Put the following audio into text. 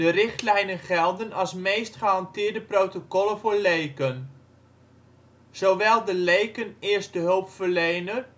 richtlijnen gelden als meest gehanteerde protocollen voor leken. Zowel de leken eerstehulpverlener